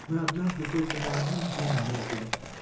Мы однажды только на один день ездили.